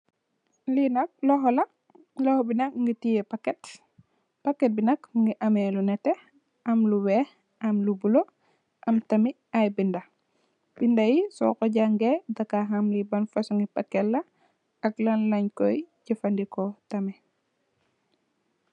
Linak loho la loho bi nak mungi teyeh paket paket bi nk mungi ameh lu n'eteh am lo weex am lo bulu am tamit ay binda binda ye so ko jan'geh danga am li ban faso paket la ak lan leko jafandego tamit.